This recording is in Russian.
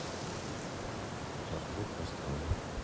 маршрут построен